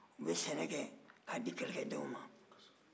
u bɛ sɛnɛ kɛ k'a di kɛlɛkɛlaw ma